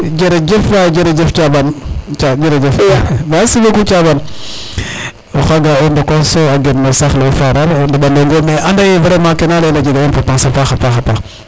jerejef way jerejef Thiaban merci beaucoup Thiabanxaga o ndokorso a gen no saxle o faral o ɗeɓanongo na a andaye kena leyel a jega importance a paxa paax